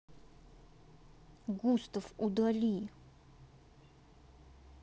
густав удали